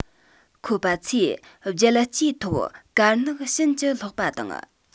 ཁོ པ ཚོས རྒྱལ སྤྱིའི ཐོག དཀར ནག ཕྱིན ཅི སློག པ དང